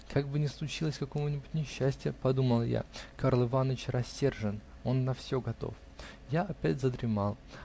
"Как бы не случилось какого-нибудь несчастия, -- подумал я, -- Карл Иваныч рассержен: он на все готов. " Я опять задремал.